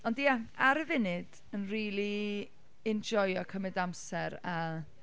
Ond ia, ar y funud, yn rili enjoio cymryd amser, a...